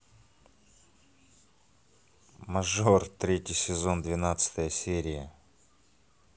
мажор третий сезон двенадцатая серия